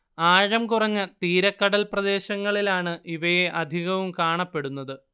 ആഴം കുറഞ്ഞ തീരക്കടൽ പ്രദേശങ്ങളിലാണ് ഇവയെ അധികവും കാണപ്പെടുന്നത്